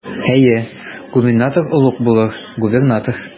Әйе, губернатор олуг булыр, губернатор.